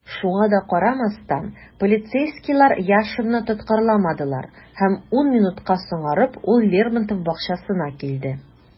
Шуңа да карамастан, полицейскийлар Яшинны тоткарламадылар - һәм ун минутка соңарып, ул Лермонтов бакчасына килде.